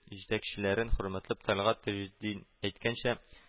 Җитәкчеләрен хөрмәтләп, тәлгать таҗетдин әйткәнчә